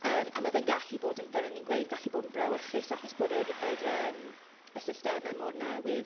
Yym a ma' fe'n gallu bod yn, fel o'n i'n gweud, gallu bod yn brawychus. Achos bod yr yr yym y systemau mor newydd.